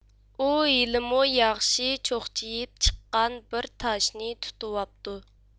ئۇ ھېلىمۇ ياخشى چوقچىيىپ چىققان بىر تاشنى تۇتۇۋاپتۇ